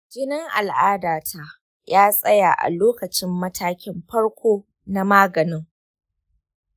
jinin al'adata ya tsaya a lokacin matakin farko na maganin.